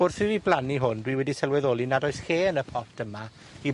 wrth i fi blannu hwn, dwi wedi sylweddoli nad oes lle yn y pot yma i